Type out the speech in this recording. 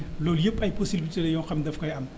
loolu yëpp ayn possibilités la yoo xam ni daf koy am